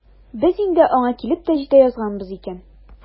Без инде аңа килеп тә җитә язганбыз икән.